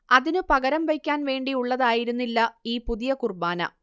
അതിനു പകരം വയ്ക്കാൻ വേണ്ടിയുള്ളതായിരുന്നില്ല ഈ പുതിയ കുർബ്ബാന